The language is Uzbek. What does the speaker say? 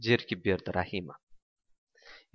jerkib berdi rahima